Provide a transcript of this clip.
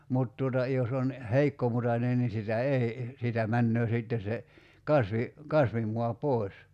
mutta tuota jos on heikkomutainen niin sitä ei siitä menee sitten se - kasvimaa pois